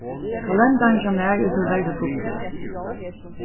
kalendarin hjá mær er tíverri fullur